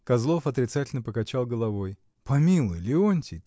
Козлов отрицательно покачал головой. — Помилуй, Леонтий